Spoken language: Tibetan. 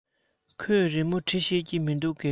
ཁོས རི མོ འབྲི ཤེས ཀྱི མིན འདུག གས